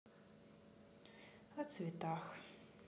о цветах